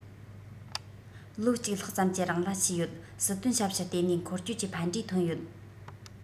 ལོ གཅིག ལྷག ཙམ གྱི རིང ལ བྱས ཡོད སྲིད དོན ཞབས ཞུ ལྟེ གནས འཁོར སྐྱོད ཀྱི ཕན འབྲས ཐོན ཡོད